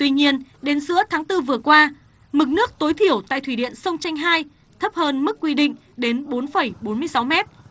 tuy nhiên đến giữa tháng tư vừa qua mực nước tối thiểu tại thủy điện sông tranh hai thấp hơn mức quy định đến bốn phẩy bốn mươi sáu mét